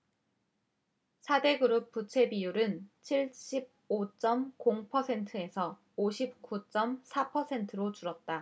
사 대그룹의 부채비율은 칠십 오 쩜 공 퍼센트에서 오십 구 쩜 사 퍼센트로 줄었다